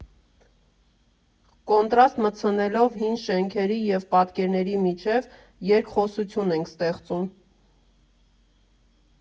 Կոնտրաստ մտցնելով հին շենքերի և պատկերների միջև՝ երկխոսություն ենք ստեղծում»։